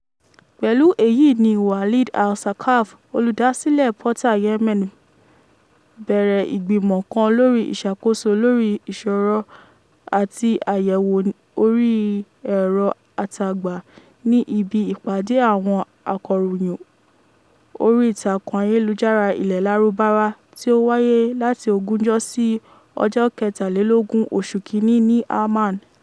Pẹ̀lú èyí ni Walid Al-Saqaf, olùdásílẹ̀ Portal Yemen bẹ̀rẹ̀ ìgbìmọ̀ kan lórí ìṣàkóso lórí ìṣọ̀rọ̀ àti àyẹ̀wò orí ẹ̀rọ àtagba ní ibi ìpàdé àwọn akọ̀ròyìn orí ìtàkùn ayélujára ilẹ̀ Lárúbáwá #AB14 tí ó wáyé láti ogúnjọ́ sí ọjọ́ kẹtàlélógún oṣù kínní ní Amman.